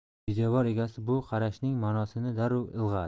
videobar egasi bu qarashning ma'nosini darrov ilg'adi